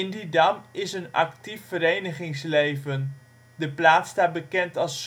Didam is een actief verenigingsleven. De plaats staat bekend als schuttersgemeente